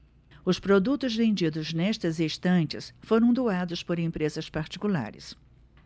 os produtos vendidos nestas estantes foram doados por empresas particulares